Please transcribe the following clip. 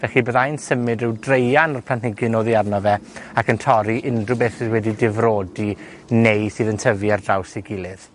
felly, bydda i'n symud ryw dreian o'r planhigyn oddi arno fe ac yn torri unryw beth sydd wedi difrodi, neu sydd yn tyfu ar draws 'i gilydd.